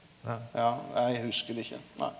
ja nei eg huskar det ikkje nei.